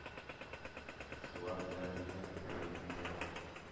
Шулар белән мине терелттең.